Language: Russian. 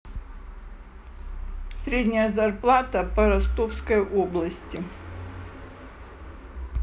средняя зарплата по ростовской области